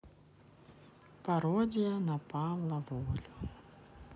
пародия на павла волю